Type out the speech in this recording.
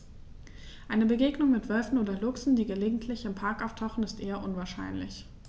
Eine Begegnung mit Wölfen oder Luchsen, die gelegentlich im Park auftauchen, ist eher unwahrscheinlich.